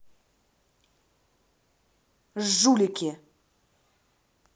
жулики